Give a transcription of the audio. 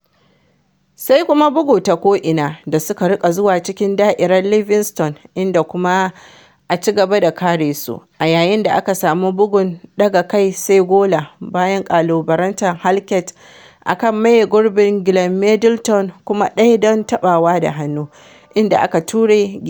Sai kuma bugu ta ko’ina da suka riƙa zuwa cikin da'irar Livingston inda kuma a ci gaba da karesu, a yayin da aka samu bugun daga kai sai gola - bayan ƙalubalantar Halkett a kan maye gurbin Glenn Middleton, kuma ɗaya don taɓawa da hannu - inda aka ture gefe.